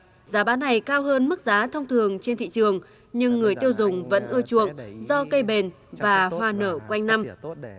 giá bán này cao hơn mức giá thông thường trên thị trường nhưng người tiêu dùng vẫn ưa chuộng do cây bền và hoa nở quanh năm